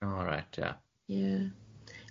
O rait, ye.